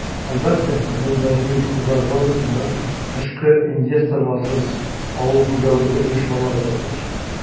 Әлбәттә, безнең даими игътибар зонасында тышкы инвесторларсыз авыл хуҗалыгы оешмалары да булачак.